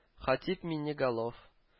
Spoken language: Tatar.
Хатип Миңнеголов